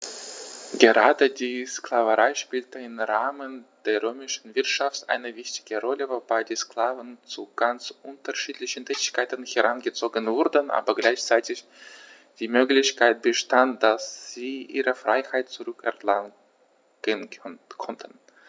Gerade die Sklaverei spielte im Rahmen der römischen Wirtschaft eine wichtige Rolle, wobei die Sklaven zu ganz unterschiedlichen Tätigkeiten herangezogen wurden, aber gleichzeitig die Möglichkeit bestand, dass sie ihre Freiheit zurück erlangen konnten.